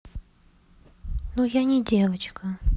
ну я не девочка